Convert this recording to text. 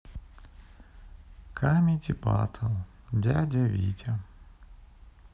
камеди батл дядя витя